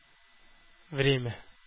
Время